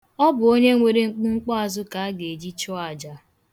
Ọ bụ onye nwere mkpumkpuazụ ka a ga-eji chụọ aja.